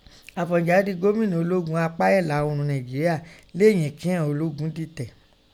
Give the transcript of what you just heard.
Àfọ̀njá di Gómìnà ológun apa ẹ̀la oorun Nainjeria leyin kíghọn ológun dìtẹ̀ .